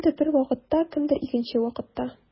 Кемдер бер вакытта, кемдер икенче вакытта.